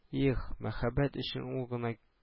Их, мәхәббәт өчен ул гына